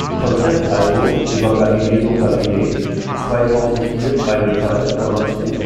Konzeptalbum über Galileo Galilei, 2004, Metal); „ Eppur Si Muove